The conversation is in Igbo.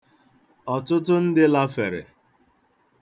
Ọtụtụ ndị lafere.